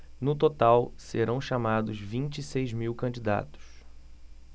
no total serão chamados vinte e seis mil candidatos